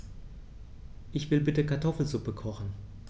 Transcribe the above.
Ich will bitte Kartoffelsuppe kochen.